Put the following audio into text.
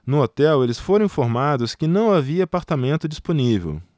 no hotel eles foram informados que não havia apartamento disponível